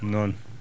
noon